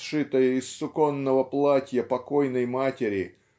сшитое из суконного платья покойной матери